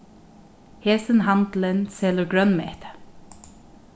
hesin handilin selur grønmeti